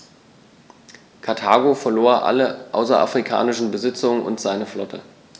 Karthago verlor alle außerafrikanischen Besitzungen und seine Flotte.